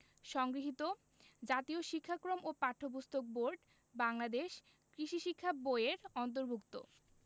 সংগৃহীত জাতীয় শিক্ষাক্রম ও পাঠ্যপুস্তক বোর্ড বাংলাদেশ কৃষি শিক্ষা বই এর অন্তর্ভুক্ত